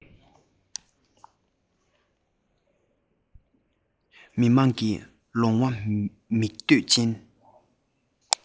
ལྐུགས པ སྨྲ འདོད ཅན